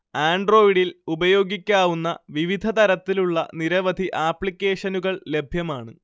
ആൻഡ്രോയ്ഡിൽ ഉപയോഗിക്കാവുന്ന വിവിധതരത്തിലുള്ള നിരവധി ആപ്ലിക്കേഷനുകൾ ലഭ്യമാണ്